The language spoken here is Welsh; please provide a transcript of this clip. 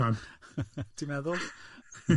Ti'n meddwl?